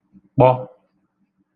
kpọ